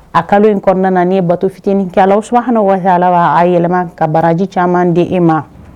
A kalo in kɔɔna na n'i ye bato fitinin kɛ Alahu subahanahu wataala b'a a yɛlɛma ka baraji caman di i ma